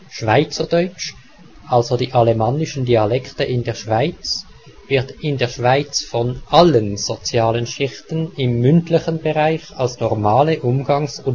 Schweizerdeutsch, also die alemannischen Dialekte in der Schweiz, wird in der Schweiz von allen sozialen Schichten im mündlichen Bereich als normale Umgangs